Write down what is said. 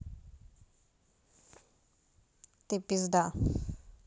ты пизда